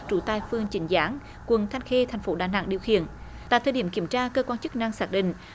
trú tại phường chính gián quận thanh khê thành phố đà nẵng điều khiển tại thời điểm kiểm tra cơ quan chức năng xác định